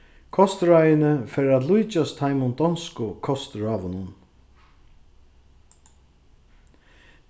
kostráðini fara at líkjast teimum donsku kostráðunum